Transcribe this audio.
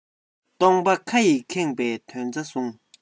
སྟོང པ ཁ ཡིས ཁེངས པའི དོན རྩ བཟུང